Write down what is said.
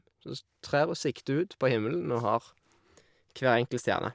Så s trer hun, sikter ut på himmelen og har hver enkel stjerne.